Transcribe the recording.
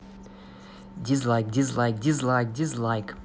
дизлайк дизлайк дизлайк